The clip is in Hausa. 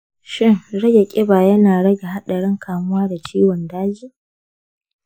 shin rage kiba yana rage haɗarin kamuwa da ciwon daji?